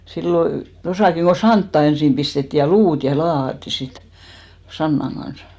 silloin tuossakin kun santaa ensin pistettiin ja luuta ja laahattiin sitten sannan kanssa